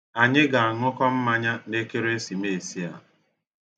Anyị ga-anụkọ mmanya n'ekerisimeesi a.